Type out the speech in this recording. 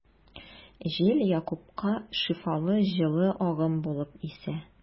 Җил Якупка шифалы җылы агым булып исә.